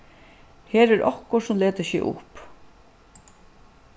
her er okkurt sum letur seg upp